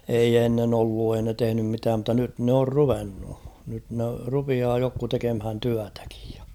ei ennen ollut ei ne tehnyt mitään mutta nyt ne on ruvennut nyt ne rupeaa jotkut tekemään työtäkin ja